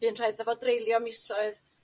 Bu'n rhaid 'ddo fo dreulio misoedd